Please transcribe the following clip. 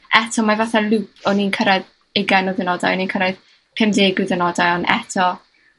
eto mae fatha lŵp o'n i'n cyrraedd ugain o ddiwrnodau, o'n i'n cyrraedd pumdeg o diwrnodau ond eto